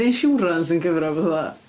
Ydy insurance yn cyfro rhywbeth fel 'na?